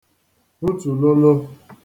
hutùlolo